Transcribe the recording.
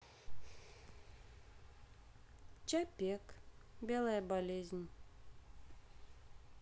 чапек белая болезнь